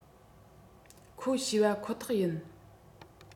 ཁོ ཤེས པ ཁོ ཐག ཡིན